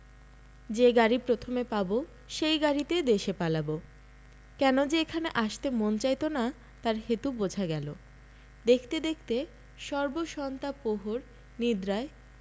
যে গাড়ি প্রথমে পাব সেই গাড়িতে দেশে পালাব কেন যে এখানে আসতে মন চাইত না তার হেতু বোঝা গেল দেখতে দেখতে সর্বসন্তাপহর নিদ্রায়